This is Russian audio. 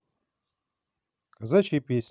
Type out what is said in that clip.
казачьи песни